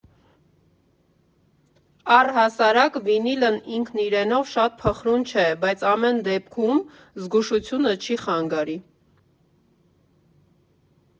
Առհասարակ վինիլն ինքն իրենով շատ փխրուն չէ, բայց ամեն դեպքում զգուշությունը չի խանգարի։